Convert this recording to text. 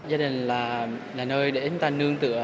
gia đình là là nơi để chúng ta nương tựa